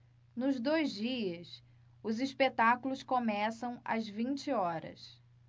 nos dois dias os espetáculos começam às vinte horas